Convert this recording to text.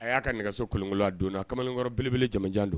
A y'a ka nɛgɛso kolon don kamalenkɔrɔ belebele jamanajan don